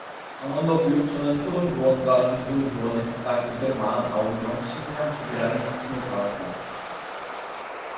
강원도교육청은 초등교원과 중등교원을 각각 이백 마흔 아홉 명 쉰 명 줄이라는 지침을 받았다